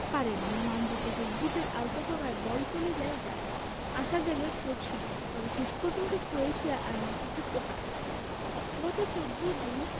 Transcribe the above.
পারেননি মানজুকিচের বুটের আলতো টোকায় বল চলে যায় জালে আশা জাগে ক্রোট শিবিরে তবে শেষ পর্যন্ত ক্রোয়েশিয়া আর ম্যাচে ফিরতে পারেনি গত ১৪ জুন